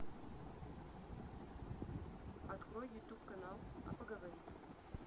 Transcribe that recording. открой ютуб канал а поговорить